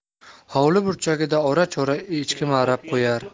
hovli burchagida ora chora echki marab qo'yar